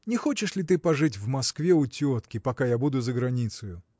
не хочешь ли ты пожить в Москве у тетки, пока я буду за границею?